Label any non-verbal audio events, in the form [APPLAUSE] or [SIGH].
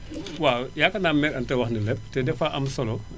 [NOISE] waaw yaakaar naa mère Anta wax na lépp te dafa am solo